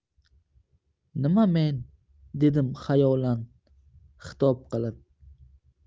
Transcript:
nima men dedim xayolan xitob qilib